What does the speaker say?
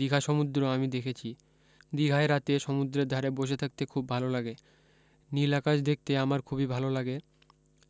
দিঘা সমুদ্র আমি দেখেছি দিঘায় রাতে সমুদ্রের ধারে বসে থাকতে খুব ভালো লাগে নিল আকাশ দেখতে আমার খুবি ভালো লাগে